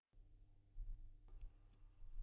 ཞེས ལན བརྒྱར ལབ ཀྱང